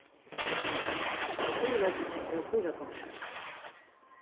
á suðuroynni eru fýra tunlar